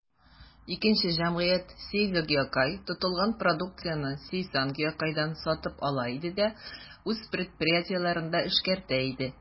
Икенче җәмгыять, «Сейзо Гиокай», тотылган продукцияне «Сейсан Гиокайдан» сатып ала да үз предприятиеләрендә эшкәртә иде.